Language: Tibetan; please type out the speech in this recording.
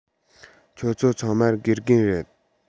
ཁྱོད ཚོ ཚང མ དགེ རྒན རེད